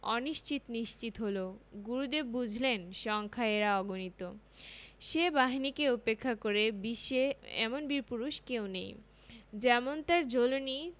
অনিশ্চিত নিশ্চিত হলো গুরুদেব বুঝলেন সংখ্যায় এরা অগণিত সে বাহিনীকে উপেক্ষা করে বিশ্বে এমন বীরপুরুষ কেউ নেই যেমন তার জ্বলুনি